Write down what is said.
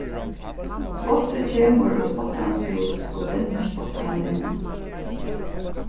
spottið kemur í spottarans hús og brennir spottaran inni